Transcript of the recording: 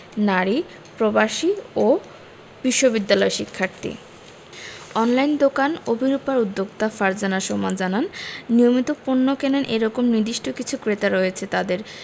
নারী প্রবাসী ও বিশ্ববিদ্যালয় শিক্ষার্থী অনলাইন দোকান অভিরুপার উদ্যোক্তা ফারজানা সোমা জানান নিয়মিত পণ্য কেনেন এ রকম নির্দিষ্ট কিছু ক্রেতা রয়েছে তাঁদের